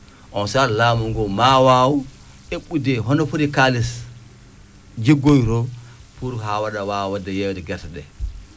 oon saan laamu ngu maa waaw eɓɓude hono foti kaalis jiggoytoo pour haa waɗa waawa waɗde yeeyde gerte ɗe